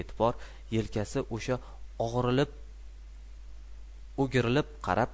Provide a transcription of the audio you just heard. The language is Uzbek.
e'tibor yelkasi osha o'girilib o'grilib qarab qarab